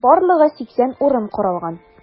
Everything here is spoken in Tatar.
Барлыгы 80 урын каралган.